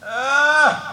Aa